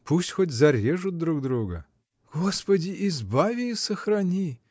— Пусть хоть зарежут друг друга! — Господи избави и сохрани!